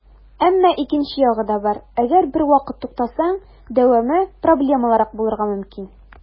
Әмма икенче ягы да бар - әгәр бервакыт туктасаң, дәвамы проблемалырак булырга мөмкин.